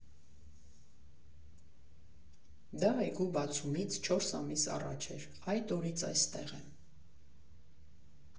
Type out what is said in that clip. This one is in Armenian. Դա այգու բացումից չորս ամիս առաջ էր, այդ օրից այստեղ եմ»։